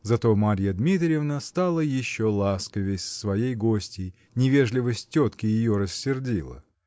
зато Марья Дмитриевна стала еще ласковей с своей гостьей: невежливость тетки ее рассердила.